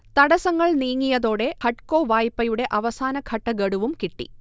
തടസ്സങ്ങൾ നീങ്ങിയതോടെ ഹഡ്കോ വായ്പയുടെ അവസാനഘട്ട ഗഡുവും കിട്ടി